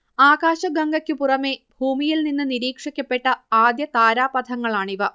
ആകാശഗംഗയ്ക്ക് പുറമെ ഭൂമിയിൽ നിന്ന് നിരീക്ഷിക്കപ്പെട്ട ആദ്യ താരാപഥങ്ങളാണിവ